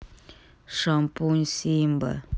шампунь симба